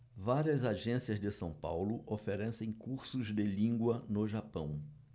várias agências de são paulo oferecem cursos de língua no japão